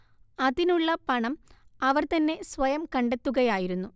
അതിനുള്ള പണം അവർ തന്നെ സ്വയം കണ്ടെത്തുകയായിരുന്നു